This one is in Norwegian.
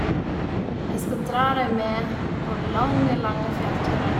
Jeg skal dra dem med på lange, lange fjellturer.